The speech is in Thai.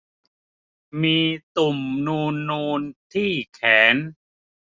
มีตุ่มนูนนูนที่แขน